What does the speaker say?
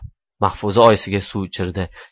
mahfuza oyisiga suv ichirdi